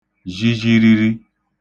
zhizhiriri